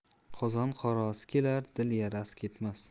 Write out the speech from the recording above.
qozon qorasi ketar dil yarasi ketmas